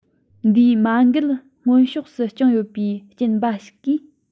དེའི མ མགལ སྔོན ཕྱོགས སུ བརྐྱངས ཡོད པའི རྐྱེན འབའ ཞིག གིས